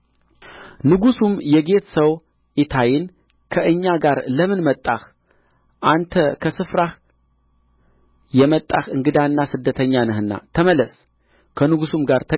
ንጉሡም የጌት ሰው ኢታይን ከእኛ ጋር ለምን መጣህ አንተ ከስፍራህ የመጣህ እንግዳና ስደተኛ ነህና ተመለስ ከንጉሡም ጋር